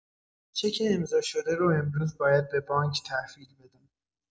چک امضاء‌شده رو امروز باید به بانک تحویل بدم.